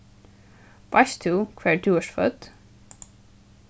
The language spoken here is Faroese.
veitst tú hvar ið tú ert fødd